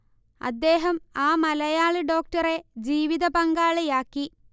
അദ്ദേഹം ആ മലയാളി ഡോക്ടറെ ജീവിതപങ്കാളിയാക്കി